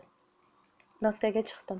doskaga chiqdim